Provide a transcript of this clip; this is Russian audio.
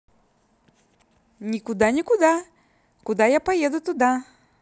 никуда никуда куда я поеду туда